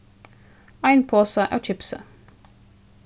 ein posa av kipsi